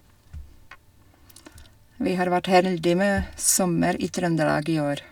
Vi har vært heldig med sommer i Trøndelag i år.